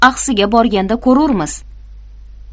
axsiga borganda ko'rurmiz